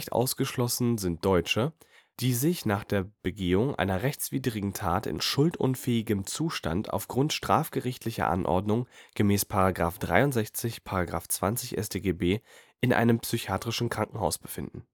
BWahlG; die sich nach der Begehung einer rechtswidrigen Tat in schuldunfähigem Zustand aufgrund strafgerichtlicher Anordnung gemäß § 63, § 20 StGB in einem psychiatrischen Krankenhaus befinden